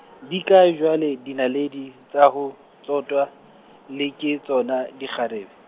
di kae jwale dinaledi, tsa ho tsotwa, le ke tsona dikgarebe?